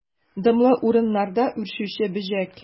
Дымлы урыннарда үрчүче бөҗәк.